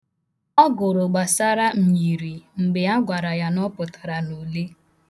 Ọ gụrụ gbasara myiri mgbe a gwara ya na ọ pụtara n' ule.